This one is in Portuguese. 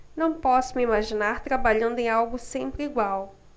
não posso me imaginar trabalhando em algo sempre igual